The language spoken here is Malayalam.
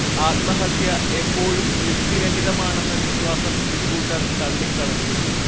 ആത്മഹത്യ എപ്പോഴും യുക്തിരഹിതമാണെന്ന വിശ്വാസം ഇക്കൂട്ടർ തള്ളിക്കളഞ്ഞിരുന്നു